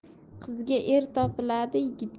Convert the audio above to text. qizga er topiladi